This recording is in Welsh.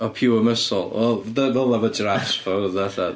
O pure muscle. Wel, dyna fel oedd o efo jiraffs pan oedd o'n dod allan.